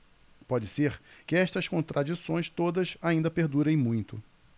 pode ser que estas contradições todas ainda perdurem muito